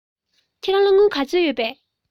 ཁྱེད རང ལ དངུལ ག ཚོད ཡོད